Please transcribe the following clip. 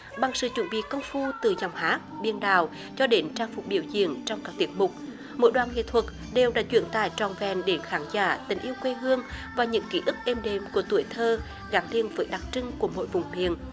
bằng sự chuẩn bị công phu từ giọng hát biên đạo cho đến trang phục biểu diễn trong các tiết mục mỗi đoàn nghệ thuật đều đã chuyển tải trọn vẹn đến khán giả tình yêu quê hương và những ký ức êm đềm của tuổi thơ gắn liền với đặc trưng của mỗi vùng miền